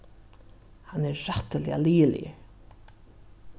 hann er rættiliga liðiligur